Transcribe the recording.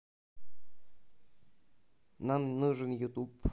нам нужен ютуб